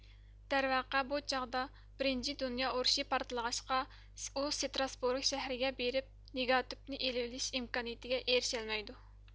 دەرۋەقە بۇ چاغدا بىرىنچى دۇنيا ئۇرۇشى پارتلىغاچقا ئۇ ستراسبۇرگ شەھىرىگە بېرىپ نېگاتىپنى ئېلىۋېلىش ئىمكانىيىتىگە ئېرىشەلمەيدۇ